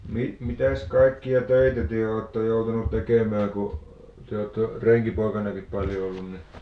- mitäs kaikkia töitä te olette joutunut tekemään kun te olette renkipoikanakin paljon ollut niin